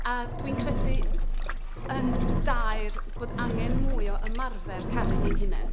A dwi'n credu, yn daer, bod angen mwy o ymarfer caru ni'n hunain.